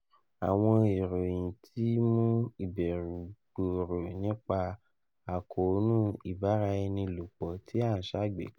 Awọn irohin ti mu ibẹru gbooro nipa akoonu ibara-ẹni-lopọ ti a n ṣagbeka